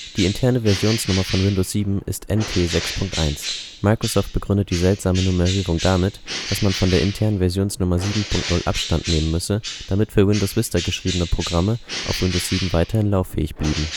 Die interne Versionsnummer von Windows 7 ist NT 6.1. Microsoft begründet die seltsame Nummerierung damit, dass man von der internen Versionsnummer 7.0 Abstand nehmen müsse, damit für Windows Vista geschriebene Programme auf Windows 7 weiterhin lauffähig blieben